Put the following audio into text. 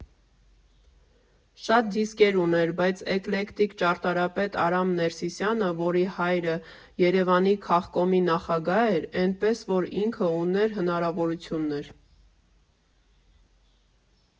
Շատ դիսկեր ուներ, բայց էկլեկտիկ, ճարտարապետ Արամ Ներսիսյանը, որի հայրը Երևանի քաղկոմի նախագահ էր, էնպես որ ինքը ուներ հնարավորություններ։